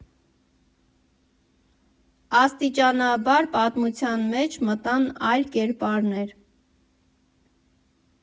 Աստիճանաբար պատմության մեջ մտան այլ կերպարներ։